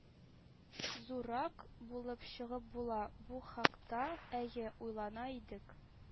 Зуррак булып чыгып була – бу хакта, әйе, уйлана идек